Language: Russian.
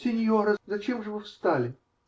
-- Синьора, зачем же вы встали?